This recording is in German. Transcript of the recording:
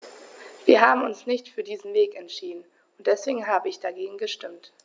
Wir haben uns nicht für diesen Weg entschieden, und deswegen habe ich dagegen gestimmt.